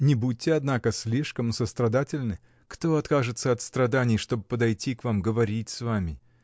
— Не будьте, однако, слишком сострадательны: кто откажется от страданий, чтоб подойти к вам, говорить с вами?